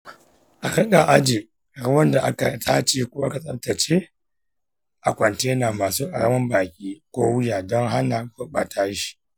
a rika ajiye ruwan da aka tace ko aka tsarkake a kwantena masu karamin baki/wuya don hana gurɓata shi.